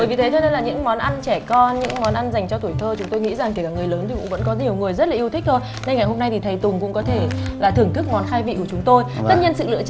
bởi vì thế cho nên là những món ăn trẻ con những món ăn dành cho tuổi thơ chúng tôi nghĩ rằng kể cả người lớn thì cũng vẫn có nhiều người rất là yêu thích thôi nên ngày hôm nay thì thầy tùng cũng có thể là thưởng thức món khai vị của chúng tôi tất nhiên sự lựa chọn